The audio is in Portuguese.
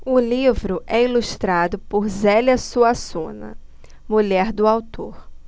o livro é ilustrado por zélia suassuna mulher do autor